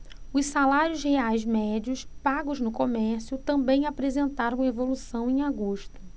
os salários reais médios pagos no comércio também apresentaram evolução em agosto